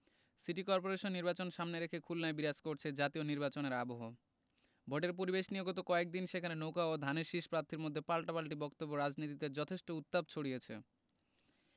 city corporation নির্বাচন সামনে রেখে খুলনায় বিরাজ করছে জাতীয় নির্বাচনের আবহ ভোটের পরিবেশ নিয়ে গত কয়েক দিন সেখানে নৌকা ও ধানের শীষের প্রার্থীর মধ্যে পাল্টাপাল্টি বক্তব্য রাজনীতিতে যথেষ্ট উত্তাপ ছড়িয়েছে